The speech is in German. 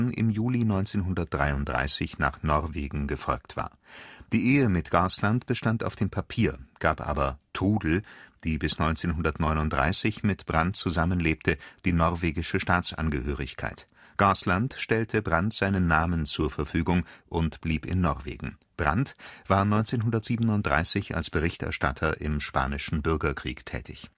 im Juli 1933 nach Norwegen gefolgt war. Die Ehe mit Gaasland bestand auf dem Papier, gab aber „ Trudel “, die bis 1939 mit Brandt zusammenlebte, die norwegische Staatsangehörigkeit. Gaasland stellte Brandt seinen Namen zur Verfügung und blieb in Norwegen. Brandt war 1937 als Berichterstatter im spanischen Bürgerkrieg tätig